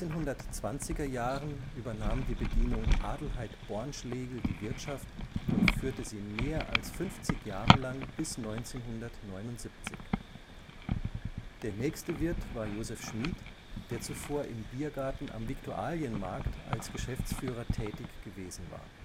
1920er Jahren übernahm die Bedienung Adelheid Bornschlegl die Wirtschaft und führte sie mehr als 50 Jahre lang bis 1979. Der nächste Wirt war Josef Schmid, der zuvor im Biergarten am Viktualienmarkt als Geschäftsführer tätig gewesen war